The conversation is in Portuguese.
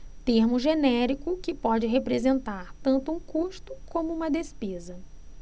termo genérico que pode representar tanto um custo como uma despesa